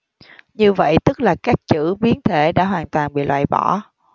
như vậy tức là các chữ biến thể đã hoàn toàn bị loại bỏ